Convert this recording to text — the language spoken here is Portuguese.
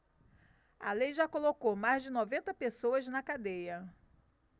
a lei já colocou mais de noventa pessoas na cadeia